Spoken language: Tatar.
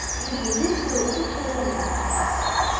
“жигули” тулысынча янып беткән.